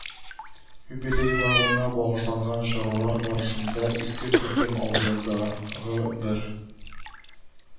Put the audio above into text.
Юбилейларына багышланган чаралар барышында иске күрдем авылында гы бер